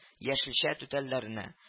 Яшелчә түтәлләренә